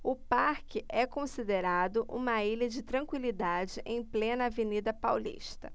o parque é considerado uma ilha de tranquilidade em plena avenida paulista